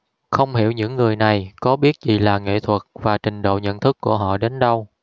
không hiểu những người này có biết gì là nghệ thuật và trình độ nhận thức của họ đến đâu